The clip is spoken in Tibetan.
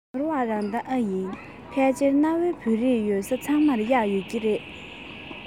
ནོར བ རང ད ཨེ ཡིན ཕལ ཆེར གནའ བོའི བོད རིགས ཡོད ས ཚང མར གཡག ཡོད རེད ཟེར བ དེ དང ནོར བ མིན འགྲོ